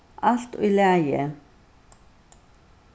alt í lagi